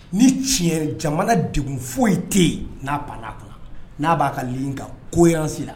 Ni tiɲɛ jamana de foyi ye tɛ yen n'a bana kunna n'a b'a ka le ka ko yansi la